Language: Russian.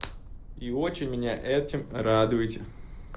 и очень меня этим радуете